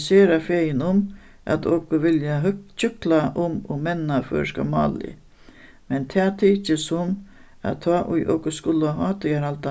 sera fegin um at okur vilja hjúkla um og menna føroyska málið men tað tykist sum at tá ið okur skulu hátíðarhalda